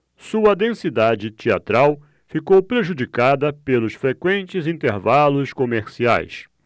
sua densidade teatral ficou prejudicada pelos frequentes intervalos comerciais